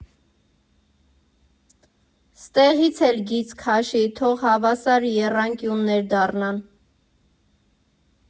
Ստեղից էլ գիծ քաշի, թող հավասար եռանկյուններ դառնան։